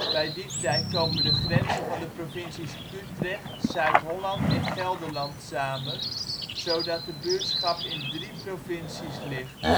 Bij Diefdijk, komen de grenzen van de provincies Utrecht, Zuid-Holland en Gelderland samen, zodat de buurtschap in drie provincies ligt